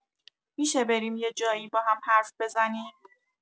می‌شه بریم یه جایی باهم حرف بزنیم؟